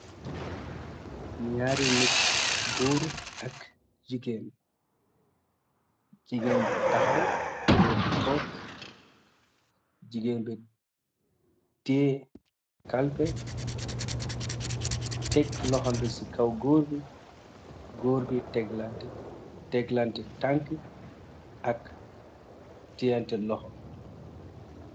nyaari nit goor ak jigeen jigeen bi takhaw goor bi tog jigeen bi tee kalpeh tek lokhom bi si kaw goor bi goor bi teklanteh tankeu and teyanteh lokho